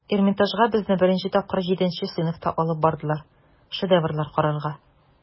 Эрмитажга безне беренче тапкыр җиденче сыйныфта алып бардылар, шедеврлар карарга.